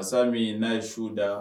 Masa min n'a ye su da